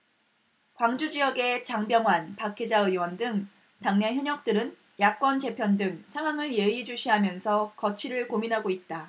광주지역의 장병완 박혜자 의원 등 당내 현역들은 야권 재편 등 상황을 예의주시하면서 거취를 고민하고 있다